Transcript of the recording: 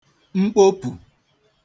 mkpopù